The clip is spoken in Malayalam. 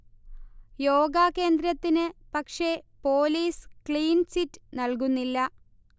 യോഗാ കേന്ദ്രത്തിന് പക്ഷേ പൊലീസ് ക്ളീൻ ചിറ്റ് നല്കുന്നില്ല